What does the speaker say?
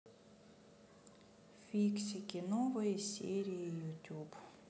фиксики новые серии ютуб